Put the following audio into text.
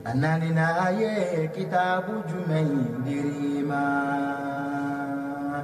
Na na ye kita jumɛn yen teriba